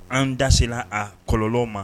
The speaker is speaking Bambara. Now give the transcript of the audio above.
An dase a kolon ma